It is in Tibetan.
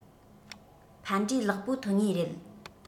ཕན འབྲས ལེགས པོ ཐོན ངེས རེད